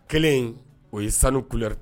Kelen o ye sanu couleur